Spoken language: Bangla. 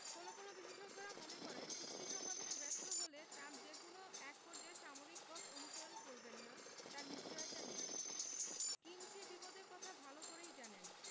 কোনো কোনো বিশেষজ্ঞেরা মনে করেন চুক্তি সম্পাদনে ব্যর্থ হলে ট্রাম্প যে কোনো একপর্যায়ে সামরিক পথ অনুসরণ করবেন না তার নিশ্চয়তা নেই কিম সে বিপদের কথা ভালো করেই জানেন